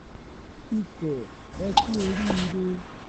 Ikọ̀ ẹ kú oríire!